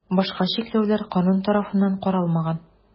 Башка чикләүләр канун тарафыннан каралмаган.